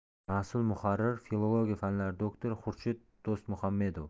mas'ul muharrir filologiya fanlari doktori xurshid do'stmuhamedov